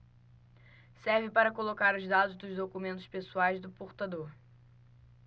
serve para colocar os dados dos documentos pessoais do portador